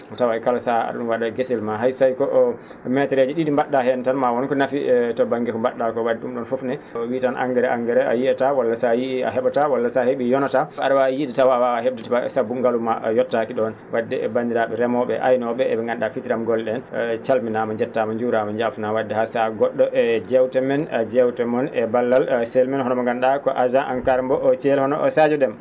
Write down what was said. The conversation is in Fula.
tawa e kala sahaa a?a ?um wa?a e gesel maa hay so tawii ko métres eje ?i?i mba??aa heen tan maa won ko nafi to ba?nge ko mba??aa ?o wa?i ?um ?on fof ne to wi tan engrais engrais a yiyat walla so a yiyii a he?ataa walla so a he?ii yonataa a?a waawi yiide taw a waawaa he?de sabu ngalu ma yottaaki ?oon wadde banndiraa?e remoo?e e aynoo?e e ?e nganndu?aa fitiram golle on calminaama njettaama njuuraama njaafnaama wadde haa sahaa go??o e jeewte men jeewte mon e ballal sehil men mo nganndu?aa ko agent ENCAR mo Thiel hono o Sadio Déme